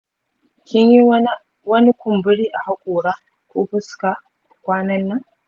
kinyi wani kumburi a haƙora ko fuska kwanan nan?